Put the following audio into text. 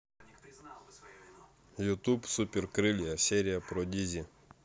ютуб супер крылья серия про дизи